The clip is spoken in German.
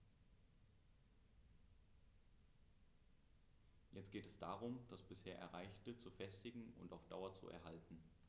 Jetzt geht es darum, das bisher Erreichte zu festigen und auf Dauer zu erhalten.